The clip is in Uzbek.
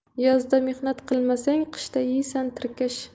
yozda mehnat qilmasang qishda yeysan tirkish